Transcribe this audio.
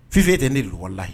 Fifee tɛ ne la ye